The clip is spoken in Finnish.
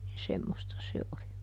niin semmoista se oli